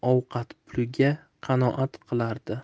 ovqat puliga qanoat qilardi